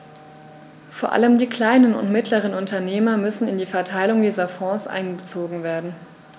Vor allem die kleinen und mittleren Unternehmer müssen in die Verteilung dieser Fonds einbezogen werden.